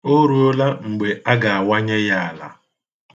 O ruola mgbe a ga-awanye ya ala.